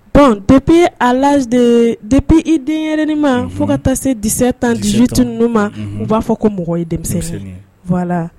Dɔn depi a de depi i denyin ma fo ka taa se disɛ tan dit ma u b'a fɔ ko mɔgɔ ye denmisɛnnin v